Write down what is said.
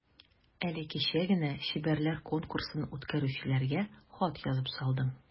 Әле кичә генә чибәрләр конкурсын үткәрүчеләргә хат язып салдым.